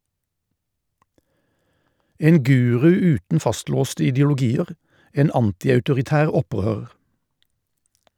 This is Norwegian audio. En guru uten fastlåste ideologier, en antiautoritær opprører.